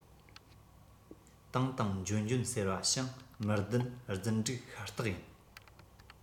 བཏང བཏང འཇོན འཇོན ཟེར བ བྱིངས མི བདེན རྫུན སྒྲིག ཤ སྟག ཡིན